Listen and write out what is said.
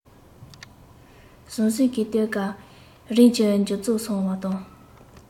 ཟང ཟིང གི སྟོན ཀ རིམ གྱིས མཇུག རྫོགས སོང བ དང